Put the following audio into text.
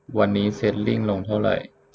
วันนี้เชนลิ้งลงเท่าไหร่